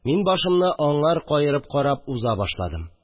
Мин башымны аңар каерып карап уза башладым.